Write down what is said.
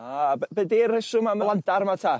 A be, be di'r rheswm am y blantar yma ta?